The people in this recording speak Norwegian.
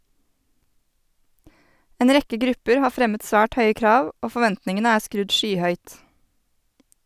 En rekke grupper har fremmet svært høye krav, og forventningene er skrudd skyhøyt.